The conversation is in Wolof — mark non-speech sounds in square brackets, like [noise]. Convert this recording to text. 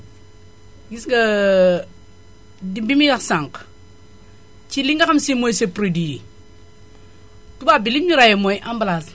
gis nga [hesitation] di bi muy wax sànq ci li nga xam si mooy seen produit yi tubaab bi li mu ñu rawee mooy emballage